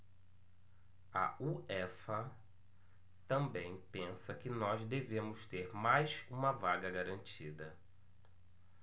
a uefa também pensa que nós devemos ter mais uma vaga garantida